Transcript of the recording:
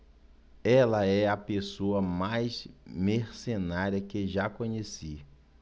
ela é a pessoa mais mercenária que já conheci